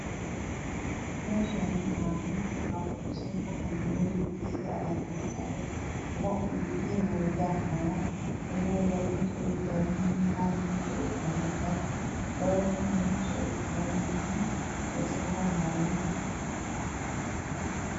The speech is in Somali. Meeshaani waa dhul waxaa ku dhisan aqal Hoori geedo ayaa ka baxaayo lo' iyo geel ayaa wey daaqaa yaan ilama yarna meesha ayey taagan yihiin naagna way taagan tahay labo Nin na Meesha ayey taagan yihiin way sheegeey sanaayaan